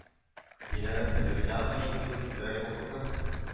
Диләрә Сабирҗанова Идел буе федераль округы